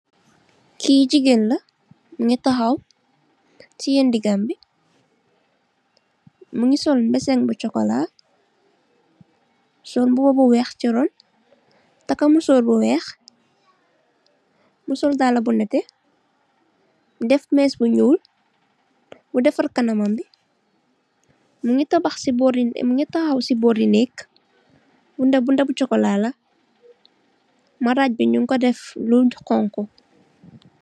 Lii jigeen la, mu ngi taxaw, tiyee ndiggam bi, mu ngi sol mbesenge but sokolaa, sol mbuba bi weex si ron, takka musooru, mu sol dallë but nette, defar kanamam, mu ngi taxaw si boori neeg, bunta bi bunta bi chokolaa la. Maraaj bi ñung ko def lu xonxu.